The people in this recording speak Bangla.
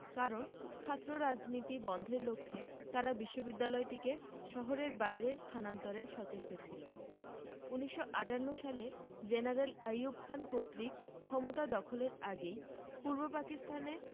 কারণ ছাত্ররাজনীতি বন্ধের লক্ষ্যে তারা বিশ্ববিদ্যালয়টিকে শহরের বাইরে স্থানান্তরে সচেষ্ট ছিল ১৯৫৮ সালে জেনারেল আইয়ুব খান কর্তৃক ক্ষমতা দখলের আগেই পূর্ব পাকিস্তানে